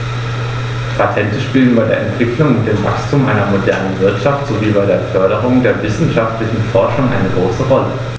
Patente spielen bei der Entwicklung und dem Wachstum einer modernen Wirtschaft sowie bei der Förderung der wissenschaftlichen Forschung eine große Rolle.